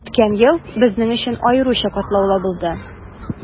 Үткән ел безнең өчен аеруча катлаулы булды.